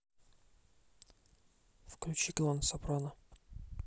включи клан сопрано